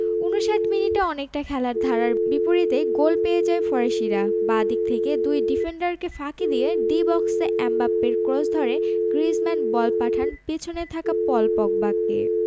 ৫৯ মিনিটে অনেকটা খেলার ধারার বিপরীতে গোল পেয়ে যায় ফরাসিরা বাঁ দিক থেকে দুই ডিফেন্ডারকে ফাঁকি দিয়ে ডি বক্সে এমবাপ্পের ক্রস ধরে গ্রিজমান বল পাঠান পেছনে থাকা পল পগবাকে